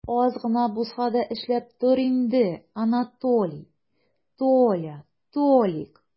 Аз гына булса да эшләп тор инде, Анатолий, Толя, Толик!